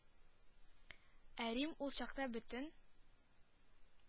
Ә Рим ул чакта бөтен